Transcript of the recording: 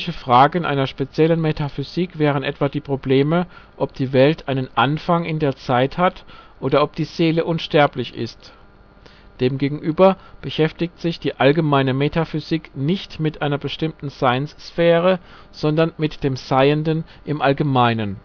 Fragen einer speziellen Metaphysik wären etwa die Probleme, ob die Welt einen Anfang in der Zeit hat oder ob die Seele unsterblich ist. Demgegenüber beschäftigt sich die allgemeine Metaphysik nicht mit einer bestimmten " Seinssphäre ", sondern mit dem Seienden im allgemeinen